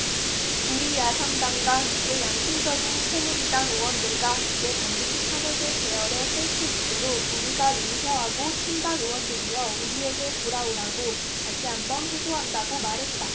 우리 야 삼 당과 함께 양심적인 새누리당 의원들과 함께 반드시 탄핵에 대열에 설 수 있도록 우리가 용서하고 친박 의원들이여 우리에게 돌아오라고 다시 한 번 호소한다고 말했다